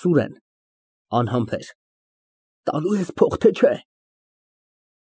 ՍՈՒՐԵՆ ֊ (Անհամբեր) Տալո՞ւ ես փող, թե՞ չէ։